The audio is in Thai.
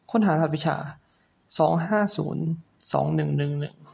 ค้นหารหัสวิชาสองห้าศูนย์สองหนึ่งหนึ่งหนึ่ง